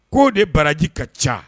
K'o de baraji ka can